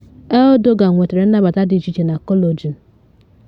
Erdogan nwetere nnabata dị iche iche na Cologne